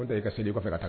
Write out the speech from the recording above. O i fɛ ka taa